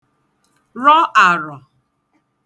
rọ àrọ̀